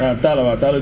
ah Talla waaw Talla